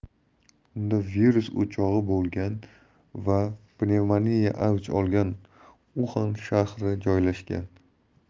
unda virus o'chog'i bo'lgan va pnevmoniya avj olgan uxan shahri joylashgan